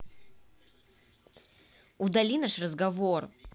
удали наш разговор